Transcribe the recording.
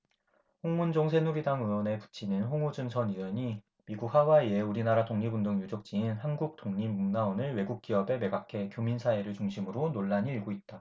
홍문종 새누리당 의원의 부친인 홍우준 전 의원이 미국 하와이의 우리나라 독립운동 유적지인 한국독립문화원을 외국 기업에 매각해 교민 사회를 중심으로 논란이 일고 있다